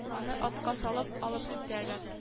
Аны атка салып алып китәләр